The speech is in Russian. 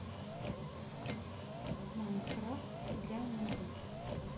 майнкрафт для нубов